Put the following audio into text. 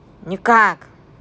никак